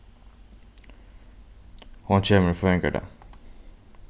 hon kemur í føðingardag